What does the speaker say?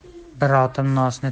bir otim nosni